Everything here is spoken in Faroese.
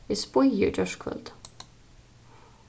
eg spýði í gjárkvøldið